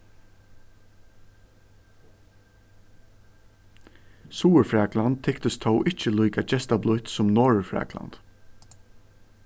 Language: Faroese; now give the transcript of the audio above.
suðurfrakland tyktist tó ikki líka gestablítt sum norðurfrakland